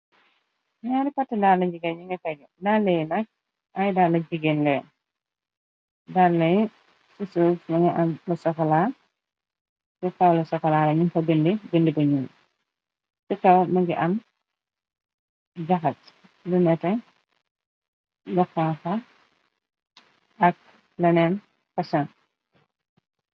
Ñaari pati dala jigeen ñi ngi tegge, daleyi nak ay dalla jigeen lee, dallayi ci suuf mingi am Lu sokola si kaw lu sokolaa li ñun fa bind bind buñuul, si kaw mu ngi am jaxas lu nete, lu xonxu ak leneen pason.